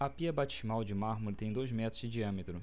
a pia batismal de mármore tem dois metros de diâmetro